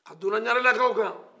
a donna ɲarelakaw kan